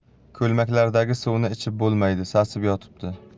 ko'lmaklardagi suvni ichib bo'lmaydi sasib yotibdi